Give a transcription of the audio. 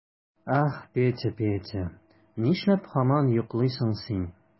Ах, Петя, Петя, нишләп һаман йоклыйсың син?